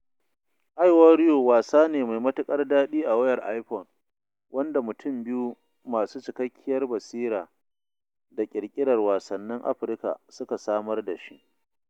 iWarrior wasa ne mai matuƙar daɗi a wayar Iphone, wanda mutum biyu masu cikakkiyar basira da ƙirƙirar wasannin Afirka suka samar dashi.